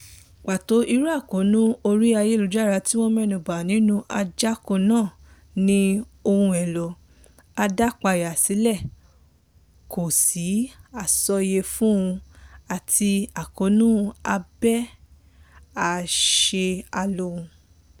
Pàtó irú àkóónú orí ayélujára tí wọ́n mẹ́nubà nínú àjákọ náà ni "ohun èlò adápayàsílẹ̀" (kò sí àsọyé fún un) àti àkóónú abẹ́ àṣẹ olóhun.